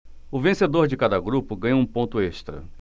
o vencedor de cada grupo ganha um ponto extra